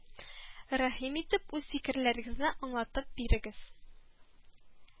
Рәхим итеп, үз фикерләрегезне аңлатып бирегез